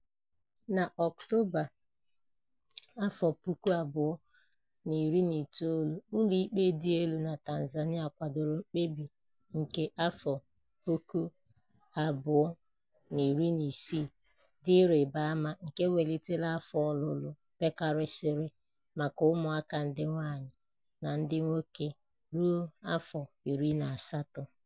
Na Ọktoba 2019, ụlọ ikpe dị elu nke Tanzania kwadoro mkpebi nke 2016 dị ịrịba ama nke welitere afọ ọlụlụ pekasịrị maka ụmụaka ndị nwaanyị na ndị nwoke ruo 18.